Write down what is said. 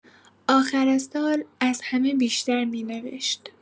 آخر سال، از همه بیشتر می‌نوشت.